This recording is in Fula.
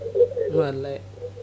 wallay